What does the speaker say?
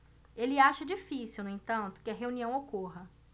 ele acha difícil no entanto que a reunião ocorra